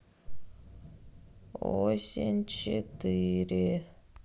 осень четыре